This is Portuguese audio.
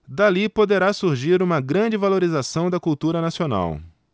dali poderá surgir uma grande valorização da cultura nacional